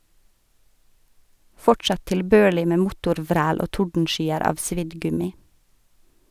Fortsatt tilbørlig med motorvræl og tordenskyer av svidd gummi.